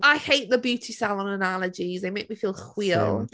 I hate the beauty salon analogies, they make me feel... Same. ...chwil.